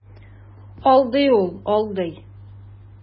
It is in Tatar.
Алдый ул, алдый.